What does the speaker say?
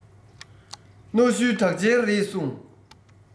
གནའ ཤུལ གྲགས ཅན རེད གསུངས